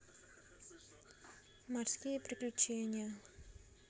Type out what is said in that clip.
морские приключения